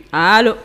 H